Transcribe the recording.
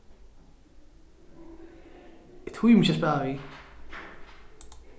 eg tími ikki at spæla við